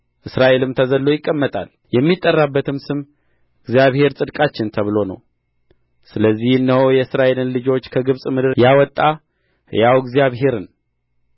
እስራኤልም ተዘልሎ ይቀመጣል የሚጠራበትም ስም እግዚአብሔር ጽድቃችን ተብሎ ነው ስለዚህ እነሆ የእስራኤልን ልጆች ከግብጽ ምድር ያወጣ ሕያው እግዚአብሔርን